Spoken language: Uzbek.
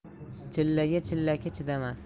chillaga chillaki chidamas